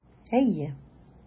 Әйе.